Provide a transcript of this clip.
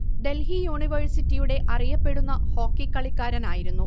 ഡൽഹി യൂണിവേഴ്സിറ്റിയുടെ അറിയപ്പെടുന്ന ഹോക്കി കളിക്കാരനായിരുന്നു